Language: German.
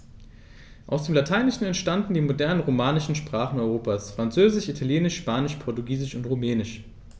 Aus dem Lateinischen entstanden die modernen „romanischen“ Sprachen Europas: Französisch, Italienisch, Spanisch, Portugiesisch und Rumänisch.